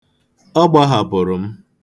Ọ gbahapụrụ m.